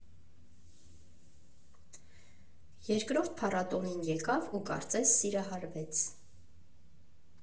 Երկրորդ փառատոնին եկավ ու կարծես սիրահարվեց։